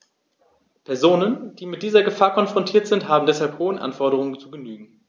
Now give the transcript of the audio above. Personen, die mit dieser Gefahr konfrontiert sind, haben deshalb hohen Anforderungen zu genügen.